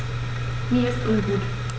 Mir ist ungut.